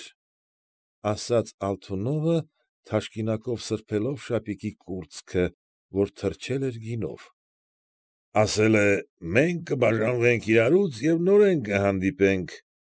Էր,֊ ասաց Ալթունովը, թաշկինակով սրբելով շապիկի կուրծքը, որ թրջել էր գինով,֊ ասել է, մենք կբաժանվենք իրարուց և նորեն կհանդիպենք։